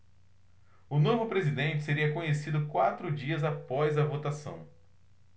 o novo presidente seria conhecido quatro dias após a votação